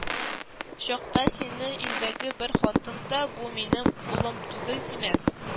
Чакта сине илдәге бер хатын да, бу минем улым түгел, димәс